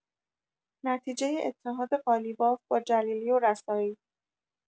نتیجه اتحاد قالیباف با جلیلی و رسایی